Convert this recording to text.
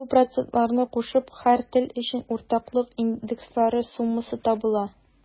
Бу процентларны кушып, һәр тел өчен уртаклык индекслары суммасы табыла.